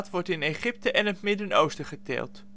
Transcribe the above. wordt in Egypte en het Midden-Oosten geteeld